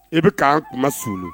I bɛ'an kuma solon